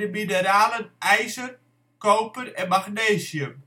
mineralen ijzer, koper en magnesium